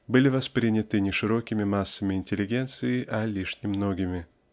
были восприняты не широкими массами интеллигенции а лишь немногими.